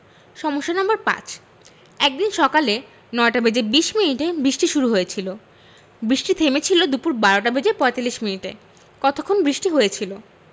সমস্যা নম্বর ৫ একদিন সকালে ৯টা বেজে ২০ মিনিটে বৃষ্টি শুরু হয়েছিল বৃষ্টি থেমেছিল দুপুর ১২টা বেজে ৪৫ মিনিটে কতক্ষণ বৃষ্টি হয়েছিল